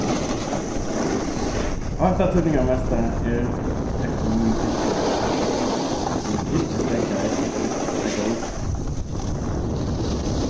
ikki flyta meg bíða eitt tað týdningarmesta er eftir mínum tykki at vit ikki steðga eftir steðga upp